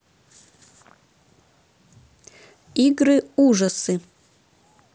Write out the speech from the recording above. игры ужасы